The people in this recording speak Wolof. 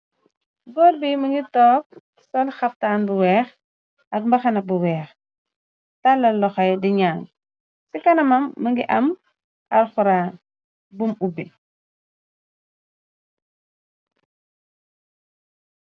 Góor bi mëngi toog, sol xaftaan bu weex ak mbaxana bu weex, tallal loxom yi di ñaan, ci kanamam më ngi am Alquran bum ubbi.